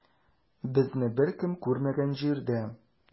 Безне беркем күрмәгән җирдә.